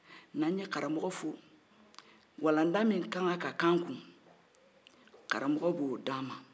n'an ye karamɔgɔ fo walanda min ka kan ka kɛ anw kun karamɔgɔ b'o d'an kun